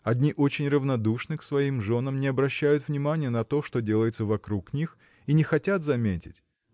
одни очень равнодушны к своим женам не обращают внимания на то что делается вокруг них и не хотят заметить